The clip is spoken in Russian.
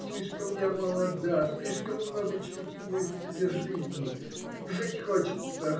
Слишком я молода, слишком много чувствую в себе жизни. Жить хочется.